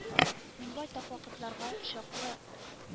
Мин байтак вакытларга чаклы